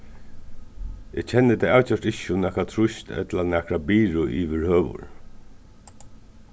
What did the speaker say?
eg kenni tað avgjørt ikki sum nakað trýst ella nakra byrðu yvirhøvur